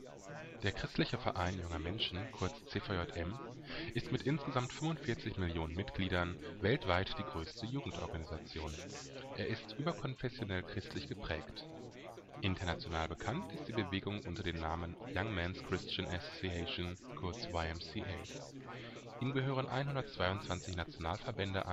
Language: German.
Der Christliche Verein Junger Menschen (CVJM) ist mit insgesamt 45 Millionen Mitgliedern weltweit die größte Jugendorganisation. Er ist überkonfessionell christlich geprägt. International bekannt ist die Bewegung unter dem Namen Young Men 's Christian Association (YMCA). Ihm gehören 122 Nationalverbände